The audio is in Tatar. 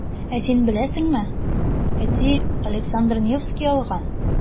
Ә син беләсеңме, әти Александр Невский алган.